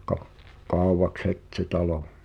- kauaksi heti se talo